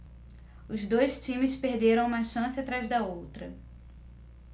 os dois times perderam uma chance atrás da outra